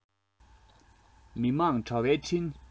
མི དམངས དྲ བའི འཕྲིན